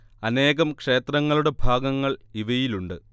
അനേകം ക്ഷേത്രങ്ങളുടെ ഭാഗങ്ങൾ ഇവയിലുണ്ട്